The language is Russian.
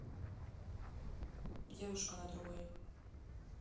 девушка на другой